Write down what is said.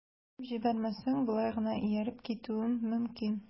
Куып җибәрмәсәң, болай гына ияреп китүем мөмкин...